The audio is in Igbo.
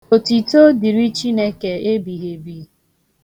Otito dịrị Chineke ebigheebi.